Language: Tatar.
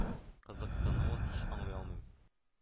Кызыксынуын һич аңлый алмыйм